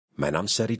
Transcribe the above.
Mae'n amser i...